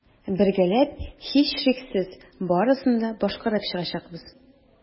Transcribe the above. Бергәләп, һичшиксез, барысын да башкарып чыгачакбыз.